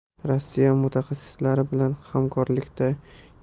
rossiya mutaxassislari bilan hamkorlikda